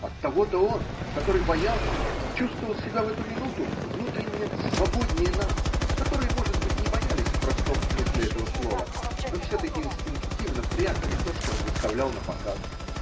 Оттого он, который боялся, чувствовал себя в эту минуту внутренне свободнее нас, которые, может быть, не боялись в простом смысле этого слова, но все-таки инстинктивно прятали то, что он выставлял напоказ.